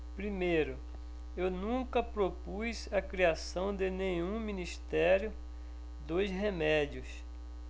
primeiro eu nunca propus a criação de nenhum ministério dos remédios